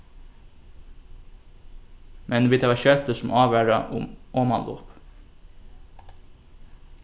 men vit hava skeltir sum ávara um omanlop